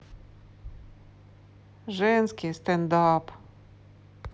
женский стендап